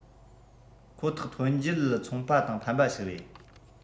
ཁོ ཐག ཐོན འབྱེད ཚོང པ དང ཕན པ ཞིག རེད